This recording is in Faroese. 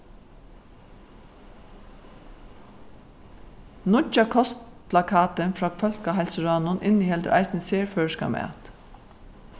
nýggja kostplakatin frá fólkaheilsuráðnum inniheldur eisini serføroyskan mat